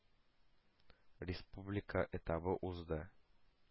Республика этабы узды